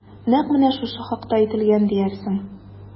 Нәкъ менә шушы хакта әйтелгән диярсең...